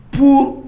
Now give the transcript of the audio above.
Paul